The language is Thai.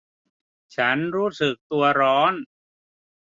ฉันรู้สึกตัวร้อน